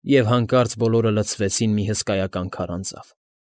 Եվ հանկարծ բոլորը լցվեցին մի հսկայական քարանձավ։